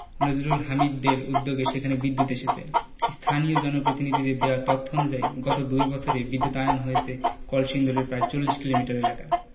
নজরুল হামিদদের উদ্যোগে সেখানে বিদ্যুৎ এসেছে স্থানীয় জনপ্রতিনিধিদের দেওয়া তথ্য অনুযায়ী গত দুই বছরে বিদ্যুতায়ন হয়েছে কলসিন্দুরের প্রায় ৪০ কিলোমিটার এলাকা